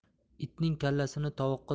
itning kallasini tovoqqa